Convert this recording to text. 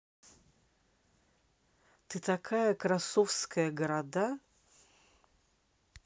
ты такая красовская города